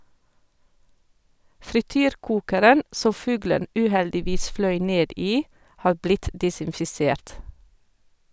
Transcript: Frityrkokeren som fuglen uheldigvis fløy ned i har blitt desinfisert.